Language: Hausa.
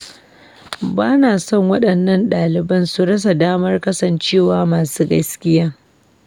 Ba na son waɗannan ɗaliban su rasa damar kasancewa masu gaskiya.